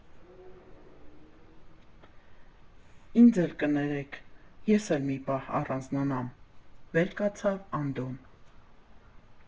֊ Ինձ էլ կներեք, ես էլ մի պահ առանձնանամ, ֊ վեր կացավ Անդոն։